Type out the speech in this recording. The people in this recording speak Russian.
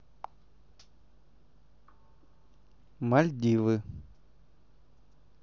мальдивы